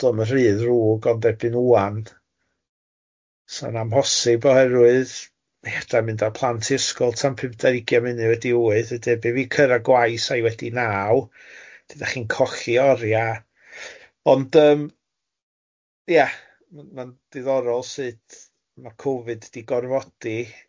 Do'm yn rhy ddrwg ond erbyn ŵan, sa'n amhosib oherwydd ma' hedau'n mynd â plant i ysgol tan pumdeg ar ugain munud wedi wyth ydy be' fi'n cyrra gwaith a'i wedi naw wedyn dach chi'n colli oriau. Ond yym ia ma'n diddorol sud ma' Covid di gorfodi